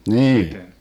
niin